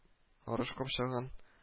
Арыш капчыгын